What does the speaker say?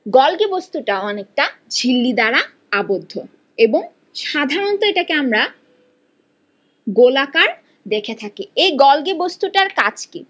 Golgi বস্তুটা অনেকটা ঝিল্লি দ্বারা আবদ্ধ সাধারণত এটাকে আমরা গোলাকার দেখে থাকি এই গলগি বস্তু টার কাজ কি